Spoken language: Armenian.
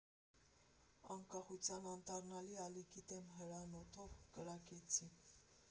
Անկախության անդառնալի ալիքի դեմ հրանոթով կրակեցին։